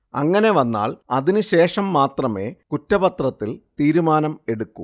അങ്ങനെ വന്നാൽ അതിന് ശേഷം മാത്രമേ കുറ്റപത്രത്തിൽ തീരുമാനം എടുക്കൂ